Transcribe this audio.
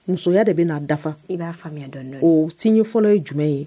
Musoya de bɛna dafa. I b'a faamuya dɔɔnin dɔɔnin. O signe fɔlɔ ye jumɛn ye?